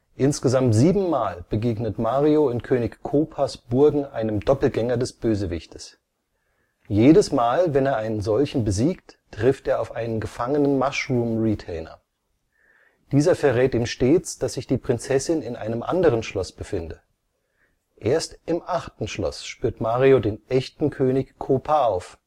Insgesamt sieben Mal begegnet Mario in König Koopas Burgen einem Doppelgänger des Bösewichtes. Jedes Mal, wenn er einen solchen besiegt, trifft er auf einen gefangenen Mushroom Retainer. Dieser verrät ihm stets, dass sich die Prinzessin in einem anderen Schloss befinde. Erst im achten Schloss spürt Mario den echten König Koopa auf